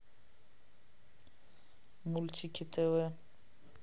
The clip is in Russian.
мультики тв